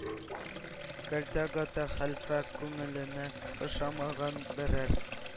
Кәлтә Гата хәлфә күңеленә ошамаган берәр